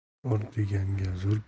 ur deganga zo'r